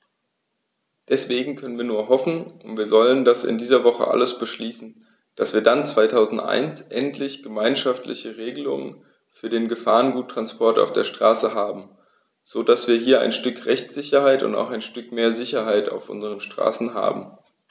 Deswegen können wir nur hoffen - und wir sollten das in dieser Woche alles beschließen -, dass wir dann 2001 endlich gemeinschaftliche Regelungen für den Gefahrguttransport auf der Straße haben, so dass wir hier ein Stück Rechtssicherheit und auch ein Stück mehr Sicherheit auf unseren Straßen haben.